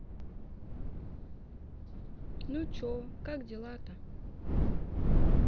ну че как дела то